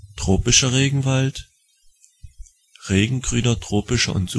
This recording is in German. tropischer Regenwald, siehe Weblink: Info-Center Regenwald-Typen regengrüner tropischer und